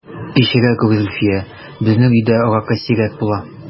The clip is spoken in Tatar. Кичерә күр, Зөлфия, безнең өйдә аракы сирәк була...